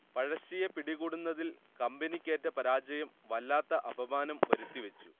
പഴശ്ശിയെ പിടികൂടുന്നതിൽ കമ്പനിക്കേറ്റ പരാജയം വല്ലാത്ത അപമാനം വരുത്തിവെച്ചു